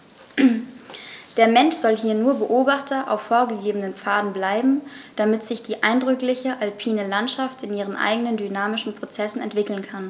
Der Mensch soll hier nur Beobachter auf vorgegebenen Pfaden bleiben, damit sich die eindrückliche alpine Landschaft in ihren eigenen dynamischen Prozessen entwickeln kann.